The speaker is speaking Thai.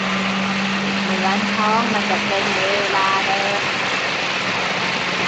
เหมือนท้องมันจะเกร็งเวลาเดิน